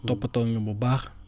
toppatoo nga bu baax